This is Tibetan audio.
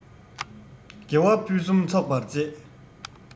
དགེ བ ཕུན སུམ ཚོགས པར སྤྱད